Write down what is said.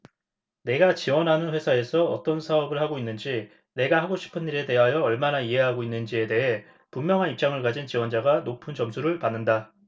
내가 지원하는 회사에서 어떤 사업을 하고 있는지 내가 하고 싶은 일에 대하여 얼마나 이해하고 있는지에 대해 분명한 입장을 가진 지원자가 높은 점수를 받는다